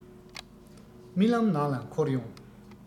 རྨི ལམ ནང ལ འཁོར ཡོང